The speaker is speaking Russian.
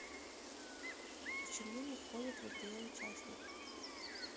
почему не ходит в игре участник